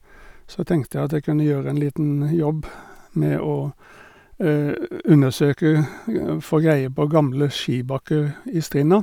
Så tenkte jeg at jeg kunne gjøre en liten jobb med å undersøke få greie på gamle skibakker i Strinda.